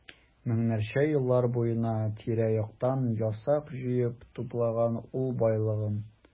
Меңнәрчә еллар буена тирә-яктан ясак җыеп туплаган ул байлыгын.